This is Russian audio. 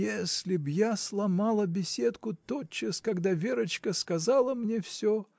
— Если б я сломала беседку тотчас, когда Верочка сказала мне всё.